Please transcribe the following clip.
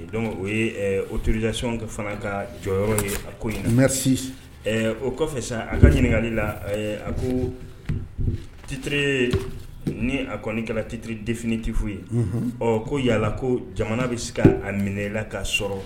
Dɔn o ye otirilasi fana ka jɔyɔrɔ yɔrɔ ye a ko yenmerisi o kɔfɛ sa a ka ɲininkakali la a ko titiri ni a kɔni ka titiri defini tɛfu ye ɔ ko yalala ko jamana bɛ se ka a minɛla ka sɔrɔ